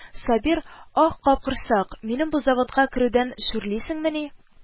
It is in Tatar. Сабир: «Ах, капкорсак, минем бу заводка керүдән шүрлисеңмени